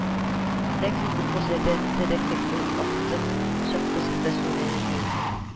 Ләкин бу күзләрдә тереклекнең актык чаткысы да сүнгән иде инде